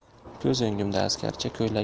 ko'z o'ngimda askarcha